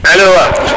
alo wa